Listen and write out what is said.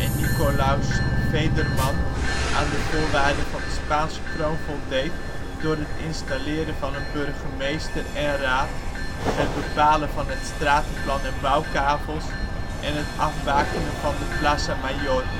Nikolaus Federmann aan de voorwaarden van de Spaanse Kroon voldeed door het installeren van een burgemeester en raad, het bepalen van het stratenplan en bouwkavels, en het afbakenen van de Plaza Mayor